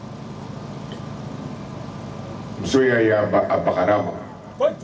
Muso ya ye a bakala ma